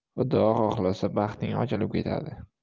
xudo xohlasa baxting ochilib ketadi